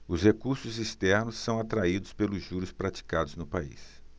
os recursos externos são atraídos pelos juros praticados no país